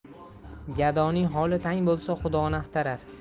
gadoning holi tang bo'lsa xudoni axtarar